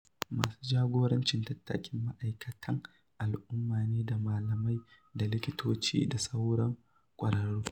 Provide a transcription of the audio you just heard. Masu jagorancin tattakin ma'aikatan al'umma ne da malamai da likitoci da sauran ƙwararru.